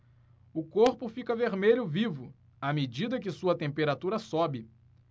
o corpo fica vermelho vivo à medida que sua temperatura sobe